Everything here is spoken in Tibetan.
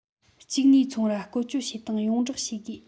གཅིག ནས ཚོང ར བཀོལ སྤྱོད བྱེད སྟངས ཡོངས བསྒྲགས བྱེད དགོས